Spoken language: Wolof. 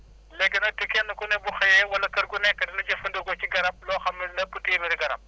léegi nag kenn ku ne bu xëyee wala kër gu nekk na jëfandikoo si garab loo xam ne dina ëpp téeméeri garab